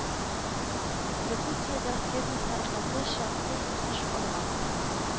Якутиядә фермер хәрәкәте шактый үсеш алган